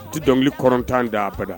Tɛ dɔnkili ktan da apda